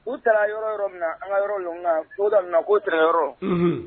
U taara yɔrɔ yɔrɔ min na an ka yɔrɔ ɲɔgɔn don dɔ min na k'o tarawele yɔrɔ